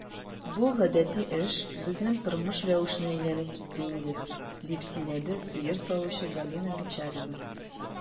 Бу гадәти эш, безнең тормыш рәвешенә әйләнеп китте инде, - дип сөйләде сыер савучы Галина Бичарина.